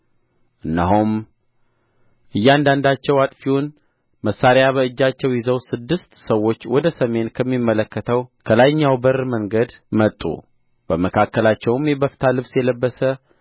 እነሆም እያንዳንዳቸው አጥፊውን መሣሪያ በእጃቸው ይዘው ስድስት ሰዎች ወደ ሰሜን ከሚመለከተው ከላይኛው በር መንገድ መጡ በመካከላቸውም የበፍታ ልብስ የለበሰ